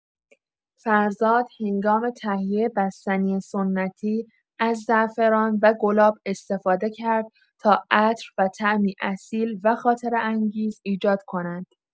فرزاد هنگام تهیه بستنی سنتی، از زعفران و گلاب استفاده کرد تا عطر و طعمی اصیل و خاطره‌انگیز ایجاد کند.